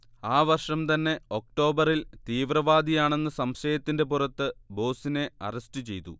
ആ വർഷം തന്നെ ഒക്ടോബറിൽ തീവ്രവാദിയാണെന്ന സംശയത്തിന്റെ പുറത്ത് ബോസിനെ അറസ്റ്റ് ചെയ്തു